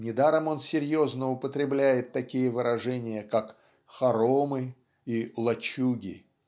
Недаром он серьезно употребляет такие выражения как "хоромы" и "лачуги"